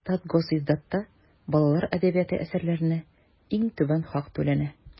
Татгосиздатта балалар әдәбияты әсәрләренә иң түбән хак түләнә.